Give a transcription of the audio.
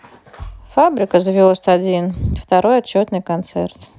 фабрика звезд один второй отчетный концерт